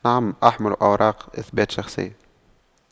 نعم احمل أوراق اثبات شخصية